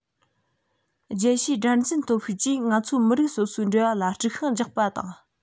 རྒྱལ ཕྱིའི དགྲར འཛིན སྟོབས ཤུགས ཀྱིས ང ཚོའི མི རིགས སོ སོའི འབྲེལ བ ལ དཀྲུག ཤིང རྒྱག པ དང